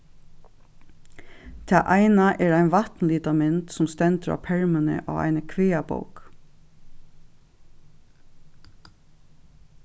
tað eina er ein vatnlitamynd sum stendur á permuni á eini kvæðabók